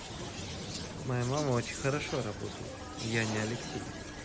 моя мама очень хорошо работает я не я алексей